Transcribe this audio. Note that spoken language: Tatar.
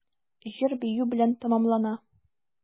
Җыр-бию белән тәмамлана.